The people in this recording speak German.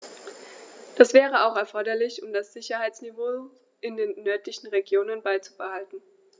Das wäre auch erforderlich, um das Sicherheitsniveau in den nördlichen Regionen beizubehalten.